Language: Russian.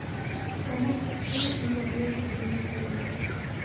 сломался стул но нету денег на ремонт